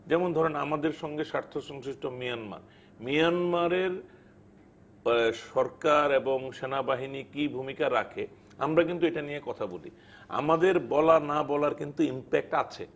যেমন ধরেন আমাদের সঙ্গে স্বার্থ সংশ্লিষ্ট মিয়ানমার মিয়ানমারের সরকার এবং সেনাবাহিনী কি ভূমিকা রাখে আমরা কিন্তু এটা নিয়ে কথা বলি আমাদের বলা না বলা কিন্তু ইম্প্যাক্ট আছে